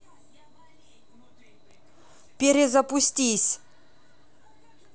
перезапустись